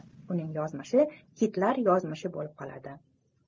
uning yozmishi kitlar yozmishi bo'lib qoladi